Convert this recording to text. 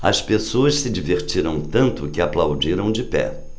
as pessoas se divertiram tanto que aplaudiram de pé